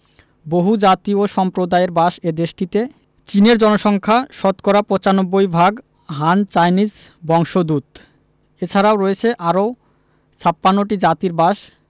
বহুজাতি ও সম্প্রদায়ের বাস এ দেশটিতে চীনের জনসংখ্যা শতকরা ৯৫ ভাগ হান চাইনিজ বংশোদূত এছারাও রয়েছে আরও ৫৬ টি জাতির বাস